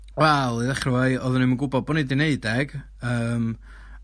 Wel, i ddechre efo 'i, oedden ni'm yn gwbod bod ni 'di neud deg yym